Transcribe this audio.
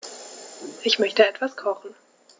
Ich möchte etwas kochen.